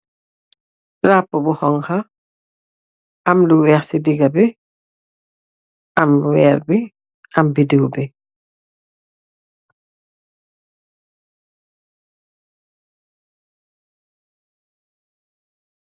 Draboh bu honha , emm lu weeh si digaah bi , emm weer bi , amm bedeww bi .